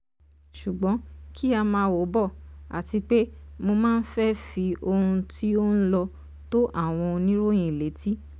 Ṣùgbọ́n kí á máa wò bọ̀ àtipé mo máa ń fẹ́ fi ohun tí ó ńlọ tó àwọn oníròyìn létí.